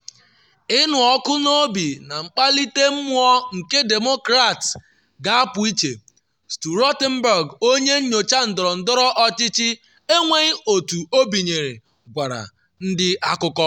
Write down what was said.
“Ịnụ ọkụ n’obi na mkpalite mmụọ nke Demokrat ga-apụ iche,” Stu Rothenberg, onye nyocha ndọrọndọrọ ọchịchị enweghị otu o binyere gwara ndị akụkọ.